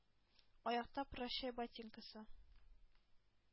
Аякта — ”прощай“ ботинкасы.